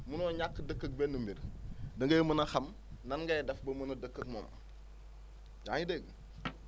munoo ñàkk a dëkk ak benn mbir da ngay mën a xam nan ngay def ba mën a dëkk ak moom yaa ngi dégg